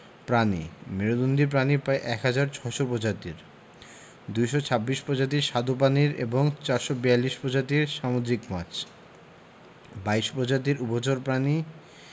প্রাণীঃ মেরুদন্ডী প্রাণী প্রায় ১হাজার ৬০০ প্রজাতির ২২৬ প্রজাতির স্বাদু পানির এবং ৪৪২ প্রজাতির সামুদ্রিক মাছ ২২ প্রজাতির উভচর প্রাণী